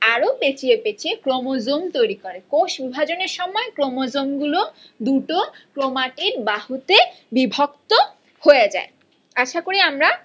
আরো পেঁচিয়ে পেঁচিয়ে ক্রোমোজোম তৈরি করে কোষ বিভাজনের সময় ক্রোমোজোমগুলো দুটো ক্রোমাটিড বাহুতে বিভক্ত হয়ে যায় আশা করি আমরা